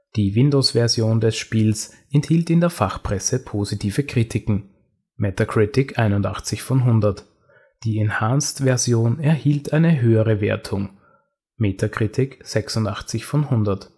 Die Windows-Version des Spiels erhielt in der Fachpresse positive Kritiken (Metacritic: 81/100). Die Enhanced-Version erhielt eine höhere Wertung (Metacritic: 86/100